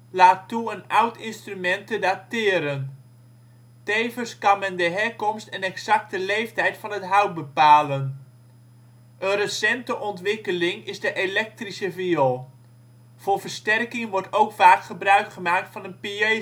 laat toe een oud instrument te dateren. Tevens kan men de herkomst en exacte leeftijd van het hout bepalen. Een recente ontwikkeling is de elektrische viool. Voor versterking wordt ook vaak gebruikgemaakt van een piëzo-element